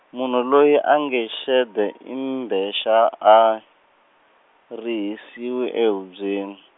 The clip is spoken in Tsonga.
munhu loyi a nge Xede i mbvexa a a, rihisiwa ehubyeni.